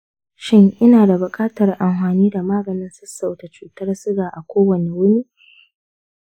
shin ina da buƙatar amfani da maganin sassauta cutar suga a kowane wuni?